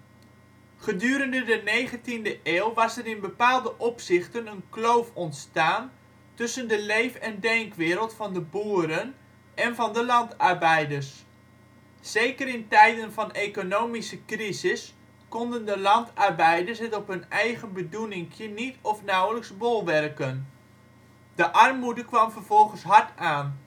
Gedurende de negentiende eeuw was er in bepaalde opzichten een kloof ontstaan tussen de leef - en denkwereld van de boeren en van de landarbeiders. Zeker in tijden van economische crisis konden de landarbeiders het op hun eigen bedoeninkjes niet of nauwelijks bolwerken. De armoede kwam vervolgens hard aan